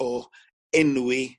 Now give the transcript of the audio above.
o enwi